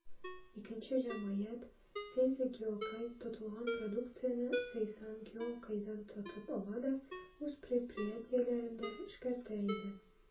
Икенче җәмгыять, «Сейзо Гиокай», тотылган продукцияне «Сейсан Гиокайдан» сатып ала да үз предприятиеләрендә эшкәртә иде.